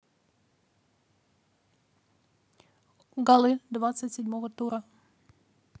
голы двадцать седьмого тура